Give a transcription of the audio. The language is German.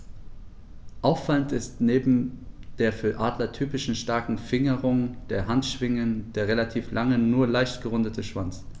Auffallend ist neben der für Adler typischen starken Fingerung der Handschwingen der relativ lange, nur leicht gerundete Schwanz.